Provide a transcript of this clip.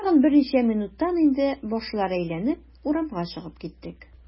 Тагын берничә минуттан инде башлар әйләнеп, урамга чыгып киттек.